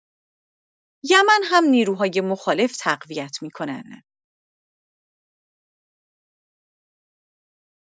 یمن هم نیروهای مخالف تقویت می‌کنن